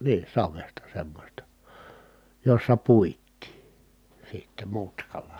niin savesta semmoista jossa puitiin sitten mutkalla